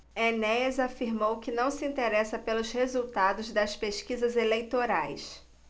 enéas afirmou que não se interessa pelos resultados das pesquisas eleitorais